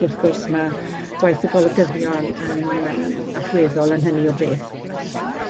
ac wrth gwrs, ma' gwaith y golygyddion yn yym allweddol yn hynny o beth.